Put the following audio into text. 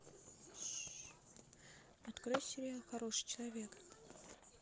открой сериал хороший человек